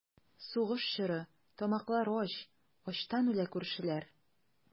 Сугыш чоры, тамаклар ач, Ачтан үлә күршеләр.